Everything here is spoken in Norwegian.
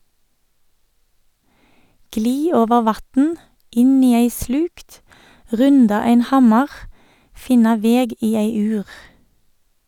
Gli over vatn , inn i ei slukt, runda ein hammar, finna veg i ei ur.